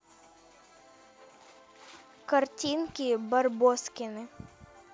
картинки барбоскины